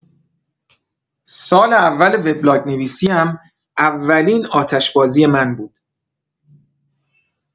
سال اول وبلاگ‌نویسی‌ام اولین آتش‌بازی من بود.